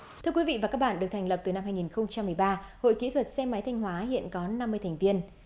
thưa quý vị và các bạn được thành lập từ năm hai nghìn không trăm mười ba hội kỹ thuật xe máy thanh hóa hiện có năm mươi thành viên